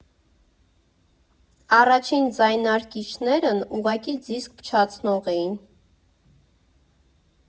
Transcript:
Առաջին ձայնարկիչներն ուղղակի դիսկ փչացնող էին։